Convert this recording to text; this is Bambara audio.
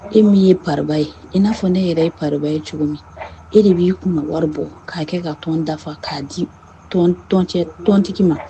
E min ye pa ye i n'a fɔ ne yɛrɛ ye pa ye cogo min e de b'i kun wari bɔ k'a kɛ ka tɔn dafa k'a ditɔncɛ tɔnontigi ma